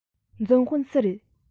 འཛིན དཔོན སུ རེད